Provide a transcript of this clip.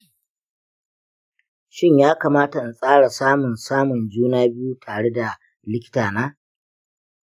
shin ya kamata in tsara samun samun juna biyu tare da likitana?